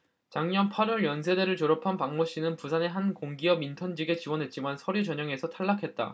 작년 팔 월 연세대를 졸업한 박모씨는 부산의 한 공기업 인턴 직에 지원했지만 서류 전형에서 탈락했다